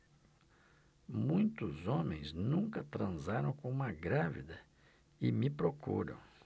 muitos homens nunca transaram com uma grávida e me procuram